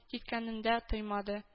Киткәнендә тоймады